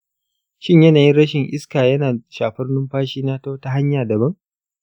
shin yanayin rishin iska yana shafar numfashina ta wata hanya daban?